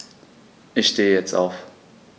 Ich stehe jetzt auf.